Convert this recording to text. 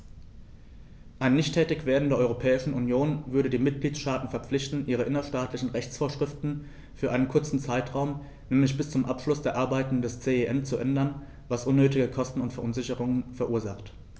Ein Nichttätigwerden der Europäischen Union würde die Mitgliedstaten verpflichten, ihre innerstaatlichen Rechtsvorschriften für einen kurzen Zeitraum, nämlich bis zum Abschluss der Arbeiten des CEN, zu ändern, was unnötige Kosten und Verunsicherungen verursacht.